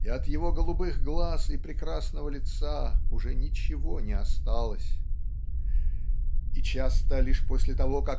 и от его голубых глаз и прекрасного лица уже ничего не осталось". И часто лишь после того